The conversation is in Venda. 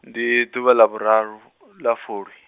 ndi ḓuvha ḽa vhuraru, ḽa fulwi.